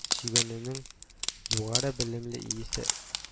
Сөйгәнеңнең югары белемле яисә